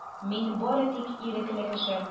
Мин бары тик ирекле кеше.